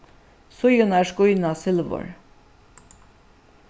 síðurnar skína silvur